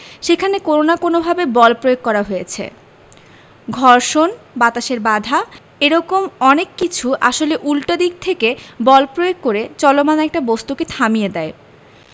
সেখানে কোনো না কোনোভাবে বল প্রয়োগ করা হয়েছে ঘর্ষণ বাতাসের বাধা এ রকম অনেক কিছু আসলে উল্টো দিক থেকে বল প্রয়োগ করে চলমান একটা বস্তুকে থামিয়ে দেয়